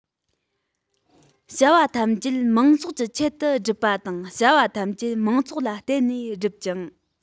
བྱ བ ཐམས ཅད མང ཚོགས ཀྱི ཆེད དུ སྒྲུབ པ དང བྱ བ ཐམས ཅད མང ཚོགས ལ བརྟེན ནས སྒྲུབ ཅིང